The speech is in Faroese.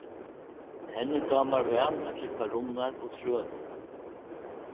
henni dámar væl at klippa runnar og trø